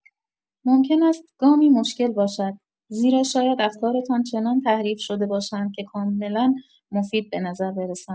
ممکن است گامی مشکل باشد، زیرا شاید افکارتان چنان تحریف شده باشند که کاملا مفید به نظر برسند.